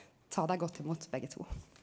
ta dei godt imot begge to!